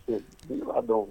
Jeliba dɔn